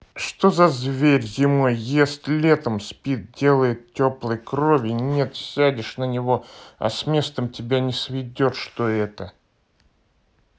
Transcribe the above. что за зверь зимой ест летом спит делает теплой крови нет сядешь на него а с местом тебя не сведет что это